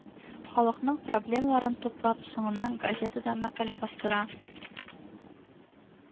Халыкның проблемаларын туплап, соңыннан газетада мәкалә бастыра